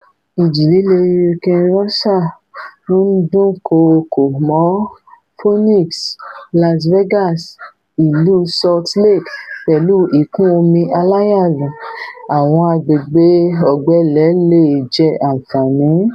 Ìjì-líle Hurricane Rosa ńdúnkòokò mọ́ Phoenix, Las Vegas, Ìlú Salt Lake pẹ̀lú Ìkún-omi aláyalù (Àwọn agbègbè̀̀ Ọ̀gbẹlẹ̀ leè jẹ́ Àǹfààní)